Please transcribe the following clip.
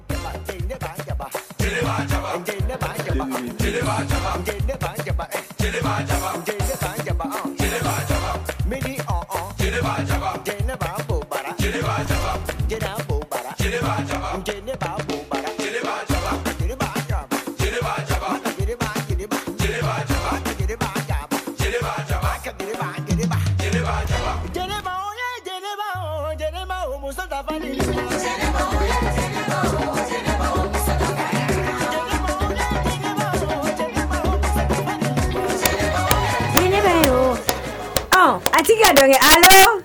A a